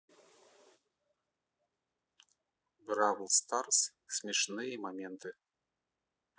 бравл старс смешные моменты